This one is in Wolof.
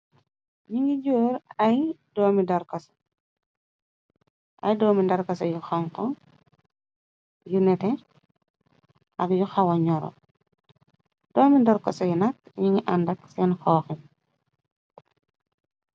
ñi ngi jóor ay doomi darkasa yu xanko yu nete ak yu xawa ñoro doomi dorkasa yu nakk ñu ngi àndak seen xooxi